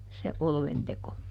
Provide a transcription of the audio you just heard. se oluenteko